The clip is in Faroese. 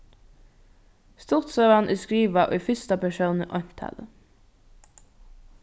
stuttsøgan er skrivað í fyrsta persóni eintali